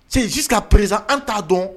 Se sisan ka perez an t'a dɔn